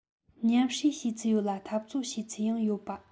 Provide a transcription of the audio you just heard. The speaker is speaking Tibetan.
མཉམ བསྲེས བྱས ཚུལ ཡོད ལ འཐབ རྩོད བྱས ཚུལ ཡང ཡོད པ